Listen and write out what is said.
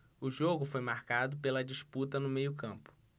o jogo foi marcado pela disputa no meio campo